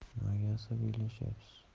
nimaga asabiylashyapsiz